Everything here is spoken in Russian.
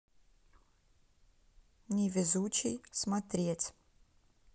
невезучий смотреть